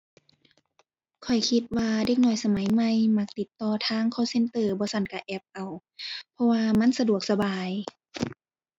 ข้อยคิดว่าเด็กน้อยสมัยใหม่มักติดต่อทาง call center บ่ซั้นกะแอปเอา เพราะว่ามันสะดวกสบาย